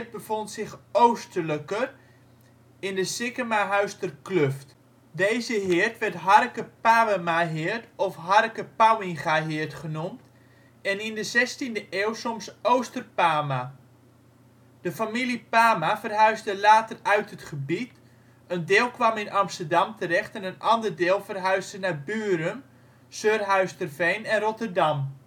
bevond zich oostelijker in de Sickemahuister kluft. Deze heerd werd Harcke Pawemaheerd of Harcke Pauwingaheerd genoemd en in de 16e eeuw soms Ooster Pama. De familie Pama verhuisde later uit het gebied: Een deel kwam in Amsterdam terecht en een ander deel verhuisde naar Burum, Surhuisterveen en Rotterdam